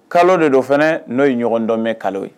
Kalo de do fana n'o ye ɲɔgɔndɔnmɛ kalo ye